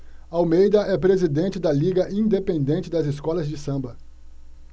almeida é presidente da liga independente das escolas de samba